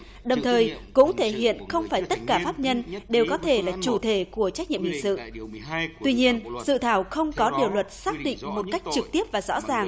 đồng thời cũng thể hiện không phải tất cả pháp nhân đều có thể là chủ thể của trách nhiệm hình sự tuy nhiên dự thảo không có điều luật xác định một cách trực tiếp và rõ ràng